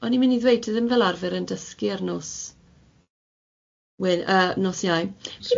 Ie o'n i'n mynd i ddweud ti ddim fel arfer yn dysgu ar nos we- yy nos Iau.